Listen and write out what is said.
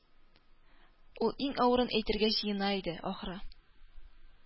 Ул иң авырын әйтергә җыена иде, ахры